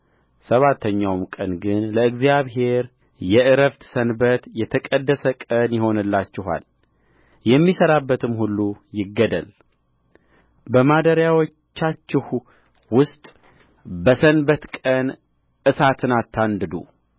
ሰባተኛው ቀን ግን ለእግዚአብሔር የዕረፍት ሰንበት የተቀደሰ ቀን ይሆንላችኋል የሚሠራበትም ሁሉ ይገደል በማደሪያዎቻችሁ ውስጥ በሰንበት ቀን እሳትን አታንድዱ